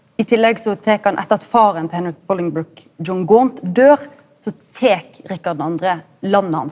i tillegg så tek han etter at faren til Henrik Bullingbrook John Gaunt døyr så tek Rikard den andre landet hans.